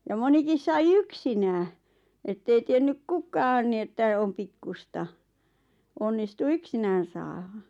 ja monikin sai yksinään että ei tiennyt kukaan niin että on pikkuista onnistui yksinään saada